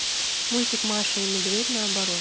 мультик маша и медведь наоборот